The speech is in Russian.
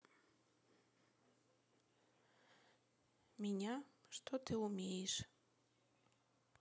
меня что ты умеешь